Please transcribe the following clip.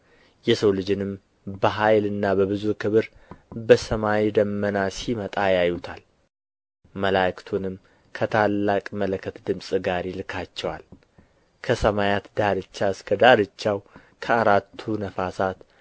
የሰው ልጅንም በኃይልና በብዙ ክብር በሰማይ ደመና ሲመጣ ያዩታል መላእክቱንም ከታላቅ መለከት ድምፅ ጋር ይልካቸዋል ከሰማያትም ዳርቻ እስከ ዳርቻው ከአራቱ ነፋሳት